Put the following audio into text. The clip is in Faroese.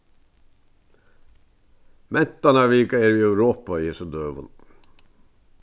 mentanarvika er í europa í hesum døgum